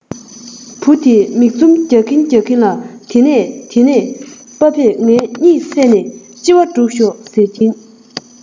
བུ དེས མིག འཛུམ རྒྱག གིན རྒྱག གིན ལ དེ ནས དེ ནས པ ཕས ངའི གཉིད བསད ནས ལྕི བ སྒྲུག ཤོག ཟེར གྱིས